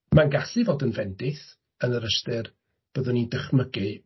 Mae'n gallu fod yn fendith, yn yr ystyr byddwn i'n dychmygu...